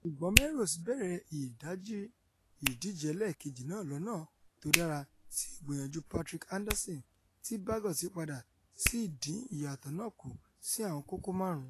Ṣùgbọ́n Melrose bẹ̀rẹ̀ ìdajì ìdíje ẹlẹ́ẹ̀kejì náà lọ́nà tódára tí ìgbìyànjú Patrick Anderson, tí Baggot yípadà sì dín ìyàtọ̀ náà kù sí àwọn kókó máàrún.